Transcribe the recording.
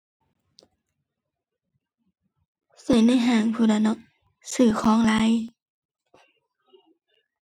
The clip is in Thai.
ใช้ในห้างพู้นล่ะเนาะ ซื้อของหลาย